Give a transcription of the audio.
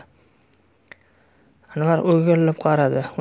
anvar o'girilib qaradi